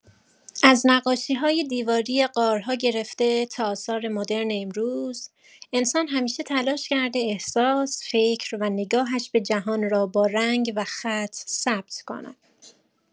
از نقاشی‌های دیواری غارها گرفته تا آثار مدرن امروز، انسان همیشه تلاش کرده احساس، فکر و نگاهش به جهان را با رنگ و خط ثبت کند.